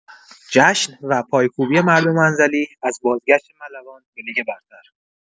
جشن و پایکوبی مردم انزلی از بازگشت ملوان به لیگ برتر